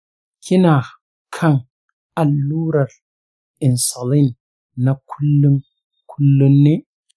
kina kan allurar insulin na kullun kullun ne?